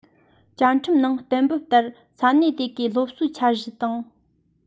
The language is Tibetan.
བཅའ ཁྲིམས ནང གཏན འབེབས ལྟར ས གནས དེ གའི སློབ གསོའི འཆར གཞི དང